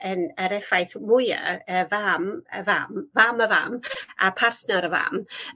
yn yr effaith fwyaf y fam y fam, fam y fam a partnar y fam